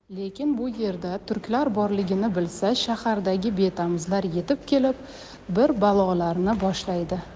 lekin bu yerda turklar borligini bilsa shahardagi betamizlar yetib kelib bir balolarni boshlaydi